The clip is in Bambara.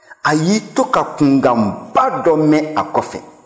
a y'i to ka kunkanba dɔ mɛn a kɔ fɛ